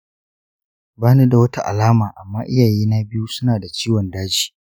ba ni da wata alama, amma iyayena biyu suna da ciwon daji .